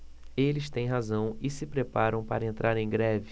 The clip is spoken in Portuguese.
eles têm razão e se preparam para entrar em greve